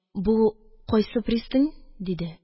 – бу кайсы пристань? – диде.